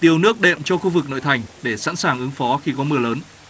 tiêu nước đệm cho khu vực nội thành để sẵn sàng ứng phó khi có mưa lớn